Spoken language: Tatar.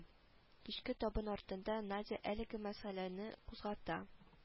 Кичке табын артында надя әлеге мәсьәләне кузгата